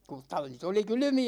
kun tallit oli kylmiä